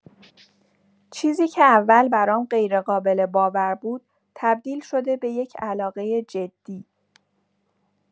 چیزی که اول برام غیرقابل‌باور بود، تبدیل شده به یک علاقه جدی.